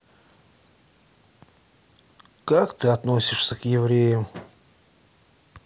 как ты относишься к евреям